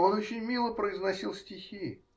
Он очень мило произносил стихи.